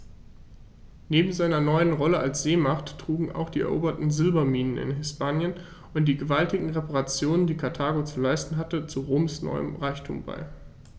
Neben seiner neuen Rolle als Seemacht trugen auch die eroberten Silberminen in Hispanien und die gewaltigen Reparationen, die Karthago zu leisten hatte, zu Roms neuem Reichtum bei.